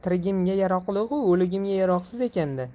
tirigimga yaroqligu o'ligimga yaroqsiz ekan da